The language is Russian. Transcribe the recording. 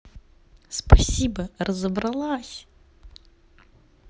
спасибо разобралась